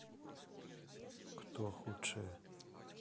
кто худшие